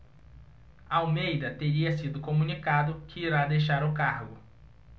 almeida teria sido comunicado que irá deixar o cargo